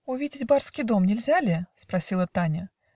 "Увидеть барской дом нельзя ли?" - Спросила Таня.